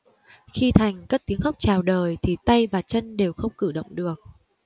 khi thành cất tiếng khóc chào đời thì tay và chân đều không cử động được